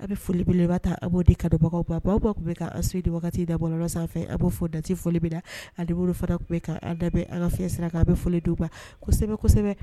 A bɛ folibele b'a'o di ka bɔ baba tun bɛ ka wagati da bɔ sanfɛ a b' fɔ dati foli bɛ da ale bolofa tun bɛ awfsira' bɛ folidoba